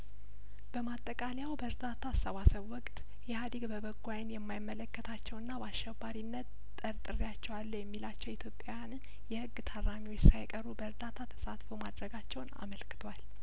በማጠቃለያው በእርዳታ አሰባሰቡ ወቅት ኢህአዲግ በበጐ አይን የማይመለከታቸውና በአሸባሪነት ጠርጥሬያቸዋለሁ የሚላቸው ኢትዮጵያውያን የህግ ታራሚዎች ሳይቀሩ በእርዳታው ተሳትፎ ማድረጋቸውን አመልክቷል